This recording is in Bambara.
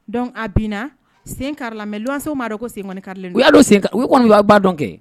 Dɔnc a bɛ sen kari la mɛ sow maa dɔn ko sen karilen u y'a don sen u kɔni' ba dɔn kɛ